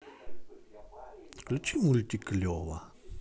включить мультик лева